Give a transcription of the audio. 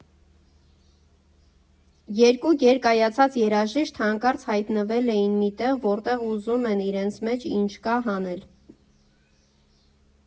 Երկու գերկայացած երաժիշտ հանկարծ հայտնվել էին մի տեղ, որտեղ ուզում են իրենց մեջ ինչ կա, հանել։